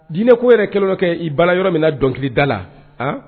Diinɛ ko yɛrɛ kɛlen kɛ i ba yɔrɔ min na dɔnkilida la a